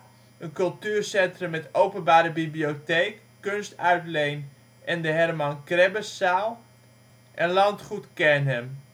cultuurcentrum met openbare bibliotheek, kunstuitleen en de Herman Krebberszaal Landgoed Kernhem